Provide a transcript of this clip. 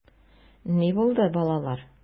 Ни булды, балалар?